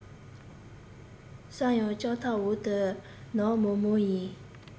གསལ ཡང ལྕགས ཐབ འོག ཏུ ནག མོག མོག ཡིན